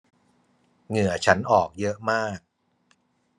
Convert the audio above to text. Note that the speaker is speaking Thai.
เหงื่อฉันออกเยอะมาก